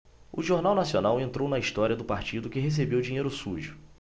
o jornal nacional entrou na história do partido que recebeu dinheiro sujo